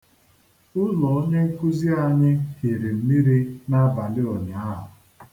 Ụlọ onyenkuzi anyị hiri mmiri n'abalị ụnyaahụ.